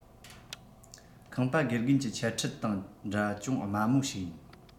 ཁང པ དགེ རྒན གྱི འཆད ཁྲིད དང འདྲ ཅུང དམའ མོ ཞིག ཡིན